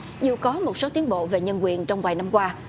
dù có một số tiến bộ và nhân quyền trong vài năm qua